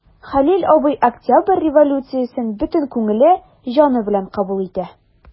Хәлил абый Октябрь революциясен бөтен күңеле, җаны белән кабул итә.